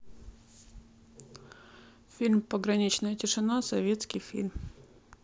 фильм пограничная тишина советский фильм